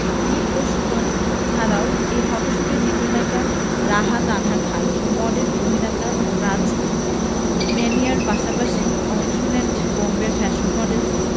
মিম ও সুজন ছাড়াও এ ফটোশ্যুটে চিত্রনায়িকা রাহা তানহা খান মডেল ও অভিনেতা ও রাজ ম্যানিয়ার পাশাপাশি অংশ নেন বোম্বের ফ্যাশন মডেল